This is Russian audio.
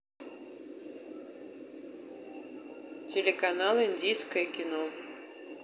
телеканал индийское кино